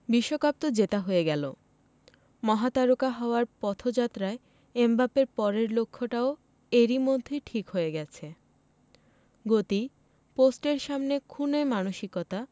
বিশ্বকাপ তো জেতা হয়ে গেল মহাতারকা হওয়ার পথযাত্রায় এমবাপ্পের পরের লক্ষ্যটাও এরই মধ্যে ঠিক হয়ে গেছে গতি পোস্টের সামনে খুনে মানসিকতা